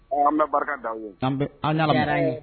An bɛ barika da an bɛ an